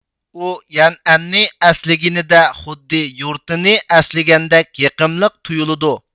ئۇ يەنئەننى ئەسلىگىنىدە خۇددى يۇرتىنى ئەسلىگەندەك يېقىملىق تۇيۇلىدۇ